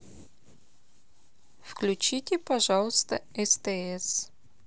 включите пожалуйста стс